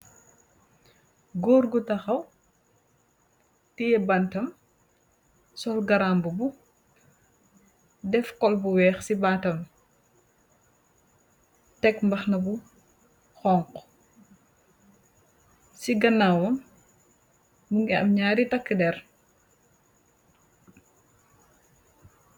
Góorgu taxaw, tiye bantam, sol garambu bu def kol bu weex si baatam. Tek mbaxana bu xoñg. Si ganaawoon mu ngi am ñaari takk der.